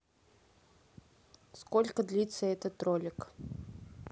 сколько длится этот ролик